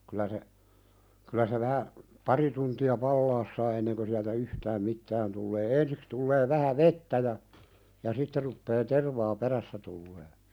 kyllä se kyllä se vähän pari tuntia palaa saa ennen sieltä yhtään mitään tulee ensiksi tulee vähän vettä ja ja sitten rupeaa tervaa perässä tulemaan